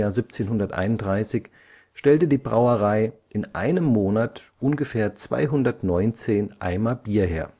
1731 stellte die Brauerei in einem Monat ungefähr 219 Eimer Bier her